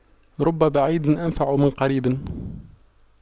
رب بعيد أنفع من قريب